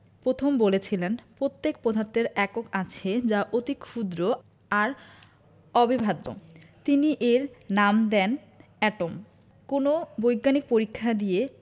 পথম বলেছিলেন প্রত্যেক পদার্থের একক আছে যা অতি ক্ষুদ্র আর অবিভাজ্য তিনি এর নাম দেন এটম কোনো বৈজ্ঞানিক পরীক্ষা দিয়ে